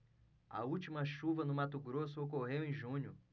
a última chuva no mato grosso ocorreu em junho